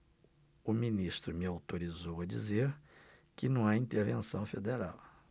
o ministro me autorizou a dizer que não há intervenção federal